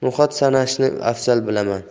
no'xat sanashni afzal bilaman